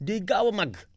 day gaaw a màgg